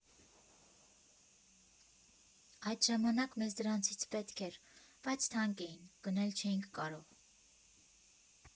Այդ ժամանակ մեզ դրանցից պետք էր, բայց թանկ էին, գնել չէինք կարող։